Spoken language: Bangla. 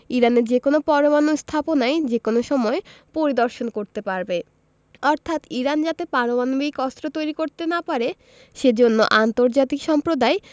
ইরানের যেকোনো পরমাণু স্থাপনায় যেকোনো সময় পরিদর্শন করতে পারবে অর্থাৎ ইরান যাতে পারমাণবিক অস্ত্র তৈরি করতে না পারে সে জন্য আন্তর্জাতিক সম্প্রদায়